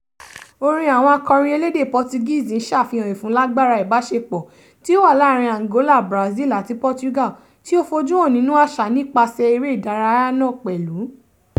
Orin àwọn akọrin elédè Portuguese ń ṣàfihàn ìfúnlágbára ìbáṣepọ̀ tí ó wà láàárín Angola, Brazil àti Portugal — tí ó fojú hàn nínú àṣà, nípasẹ̀ eré ìdárayá náà pẹ̀lú.